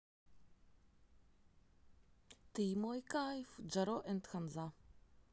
ты мой кайф джаро and ханза